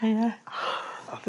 Ie.